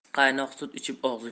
qaynoq sut ichib og'zi